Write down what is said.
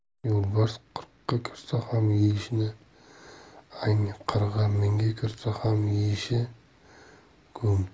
yo'lbars qirqqa kirsa ham yeyishi ang qarg'a mingga kirsa ham yeyishi go'ng